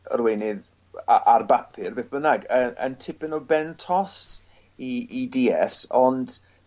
arweinydd a- ar bapur beth bynnag yy yn tipyn o ben tost i i Dee Ess ond